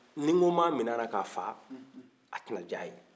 ni n ko n b'a minɛ a la k'a faga a tɛ na diya a ye